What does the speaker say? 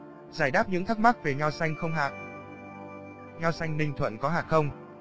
giải đáp những thắc mắc về nho xanh không hạt nho xanh ninh thuận có hạt hay không